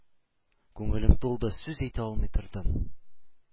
Күңелем тулды, сүз әйтә алмый тордым.